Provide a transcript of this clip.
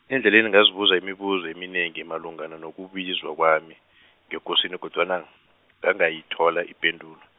endleleni ngazibuza imibuzo eminengi malungana nokubizwa kwami, ngekosini kodwana, ngangayithola ipendulo.